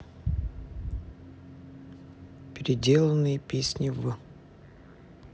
переделанные песни в